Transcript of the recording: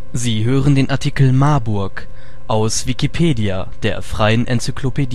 Sie hören den Artikel Marburg, aus Wikipedia, der freien Enzyklopädie